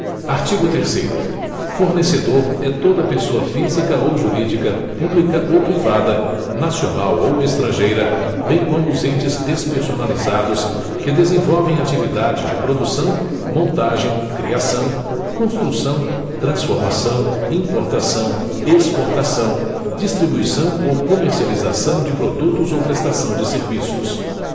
artigo terceiro fornecedor é toda pessoa física ou jurídica pública ou privada nacional ou estrangeira bem como os entes despersonalizados que desenvolvem atividade de produção montagem criação construção transformação importação exportação distribuição ou comercialização de produtos ou prestação de serviços